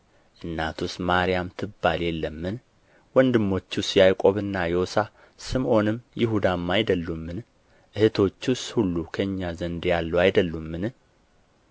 እናቱስ ማርያም ትባል የለምን ወንድሞቹስ ያዕቆብና ዮሳ ስምዖንም ይሁዳም አይደሉምን እኅቶቹስ ሁሉ በእኛ ዘንድ ያሉ አይደሉምን